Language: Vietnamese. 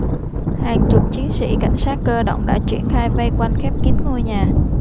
hàng chục chiến sĩ cảnh sát cơ động đã triển khai vây quanh khép kín ngôi nhà